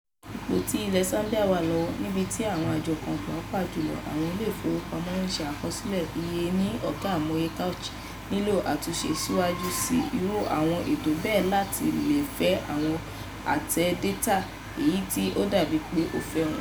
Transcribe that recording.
Ipò tí ilẹ̀ Zambia wà lọ́wọ́, níbi tí àwọn àjọ kan, pàápàá jùlọ àwọn ilé ìfowópamọ́ ń ṣe àkọsílẹ̀ iye ní ọ̀kẹ́ àìmọye Kwacha, nílò àtúnṣe síwájú sí irú àwọn ètò bẹ́ẹ̀ láti lè fẹ àwọn àtẹ dátà, èyí tí ó dàbí pé ó fẹ́ wọ́n.